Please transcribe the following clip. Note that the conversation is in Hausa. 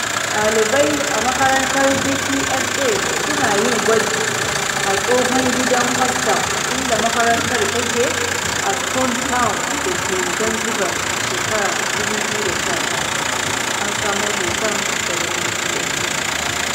ɗalibai a makarantar DCMA su na yin gwaji a Tsohon Gidan Kwastam inda makarantar take, a Stone Town da ke Zanzibar a shekarar 2019. An samo hoton daga DCMA.